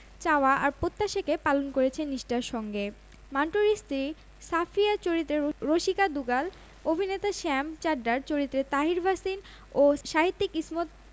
Avengers দেখে কিছুই বুঝতে পারেননি অমিতাভ বলিউডের কিংবদন্তী অভিনেতা অমিতাভ বচ্চন সোশ্যাল মিডিয়াতে বেশ সক্রিয় নিজের দৈনন্দিন জীবনের সব ঘটনাই প্রায় সোশ্যাল মিডিয়ায় তিনি তার ফ্যানেদের সঙ্গে শেয়ার করেন